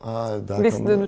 nei det kan jeg.